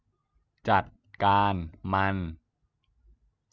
จััดการมัน